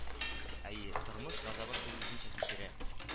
Әйе, тормыш газабын ул үзенчә кичерә